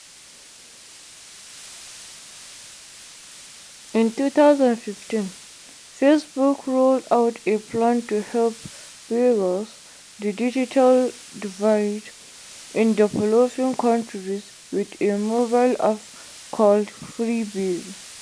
In 2015, Facebook rolled out a plan to help bridge the digital divide in developing countries with a mobile app called “Free Basics”.